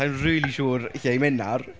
Sa i'n rili siŵr lle i mynd nawr.